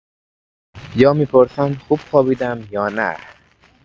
یا می‌پرسن خوب خوابیدم یا نه.